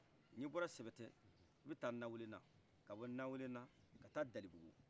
ni bɔra sɛbɛtɛ i bi taa nawulena ka bɔ nawulena ka taa dalibugu